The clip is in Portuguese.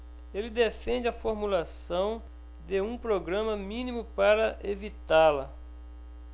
ele defende a formulação de um programa mínimo para evitá-la